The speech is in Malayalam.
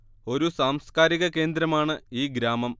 ഒരു സാംസ്കാരിക കേന്ദ്രമാണ് ഈ ഗ്രാമം